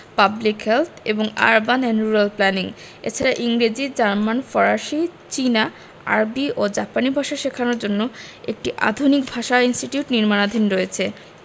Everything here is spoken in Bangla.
পাবলিক হেলথ এবং আরবান অ্যান্ড রুরাল প্ল্যানিং এছাড়া ইংরেজি জার্মান ফরাসি চীনা আরবি ও জাপানি ভাষা শেখানোর জন্য একটি আধুনিক ভাষা ইনস্টিটিউট নির্মাণাধীন রয়েছে